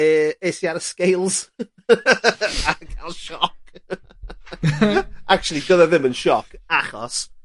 yy, es i ar y scales a ca'l sioc. Actually do'dd o ddim yn sioc achos